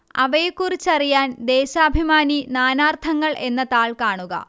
അവയെക്കുറിച്ചറിയാന് ദേശാഭിമാനി നാനാര്ത്ഥങ്ങൾ എന്ന താൾ കാണുക